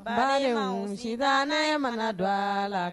Ba si ne mana don dɔgɔ a la